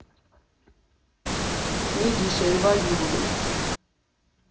Մի գիշերվա հյուրն։